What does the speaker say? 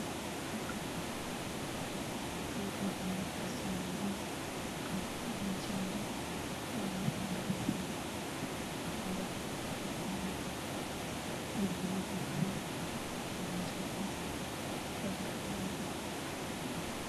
Qol midabkiisa yahay cadees qaxwi nalna daaranyahay